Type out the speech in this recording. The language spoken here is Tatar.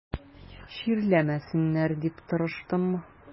Чирләмәсеннәр дип тырыштым.